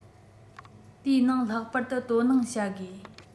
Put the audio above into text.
དེའི ནང ལྷག པར དུ དོ སྣང བྱ དགོས